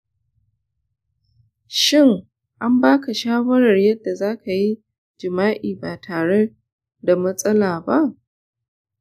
shin an baka shawar yadda zakayi jima'i ba tareda matsala ba?